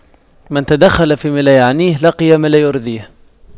من تَدَخَّلَ فيما لا يعنيه لقي ما لا يرضيه